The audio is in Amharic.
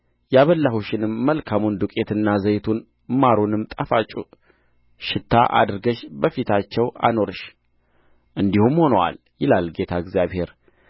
ያበላሁሽንም መልካሙን ዱቄትና ዘይቱን ማሩንም ጣፋጭ ሽታ አድርገሽ በፊታቸው አኖርሽ እንዲሁም ሆኖአል ይላል ጌታ እግዚአብሔር